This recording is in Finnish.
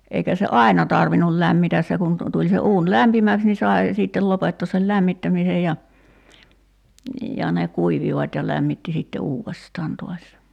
eikä se aina tarvinnut lämmitä se kun - tuli se uuni lämpimäksi niin sai sitten lopettaa sen lämmittämisen ja ja ne kuivuivat ja lämmitti sitten uudestaan taas